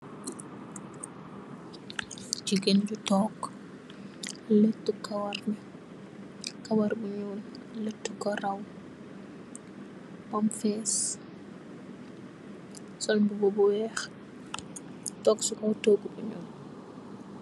Jigéen ju toog, lettu kawaram, kawar bu ñuul lettu ko raw bam fèss, sol mbuba bu weeh, toog ci kaw toogu bu ñuul.